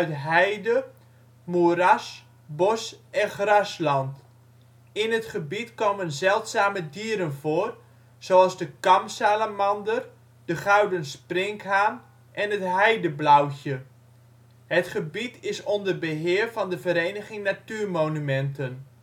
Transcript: heide, moeras, bos en grasland. In het gebied komen zeldzame dieren voor, zoals de kamsalamander, de gouden sprinkhaan en het heideblauwtje. Het gebied is onder beheer van de Vereniging Natuurmonumenten